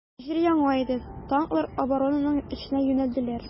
Җир яна иде, танклар оборонаның эченә юнәлделәр.